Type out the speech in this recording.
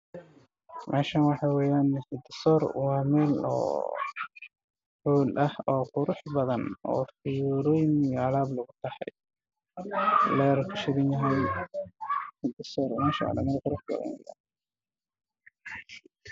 Meeshan waa sawir xayeysiin waa maqaayad darbigeedu waa qaxwi waana maqaayad ay ku qoran tahay hidda soor